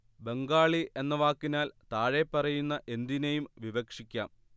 ബംഗാളി എന്ന വാക്കിനാൽ താഴെപ്പറയുന്ന എന്തിനേയും വിവക്ഷിക്കാം